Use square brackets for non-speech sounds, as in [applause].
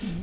[hesitation] [hesitation]